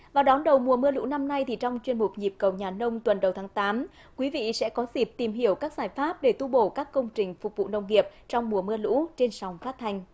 và đón đầu mùa mưa lũ năm nay thì trong chuyên mục nhịp cầu nhà nông tuần đầu tháng tám quý vị sẽ có dịp tìm hiểu các giải pháp để tu bổ các công trình phục vụ nông nghiệp trong mùa mưa lũ trên sóng phát thanh